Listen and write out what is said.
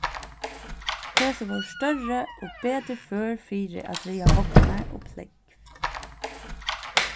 hesi vórðu størri og betur før fyri at draga vognar og plógv